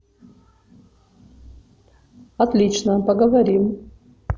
отлично поговорим